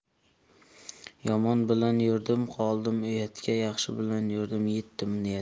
yomon bilan yurdim qoldim uyatga yaxshi bilan yurdim yetdim niyatga